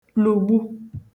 lùgbu